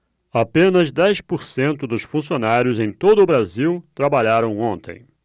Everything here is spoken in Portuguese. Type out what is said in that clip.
apenas dez por cento dos funcionários em todo brasil trabalharam ontem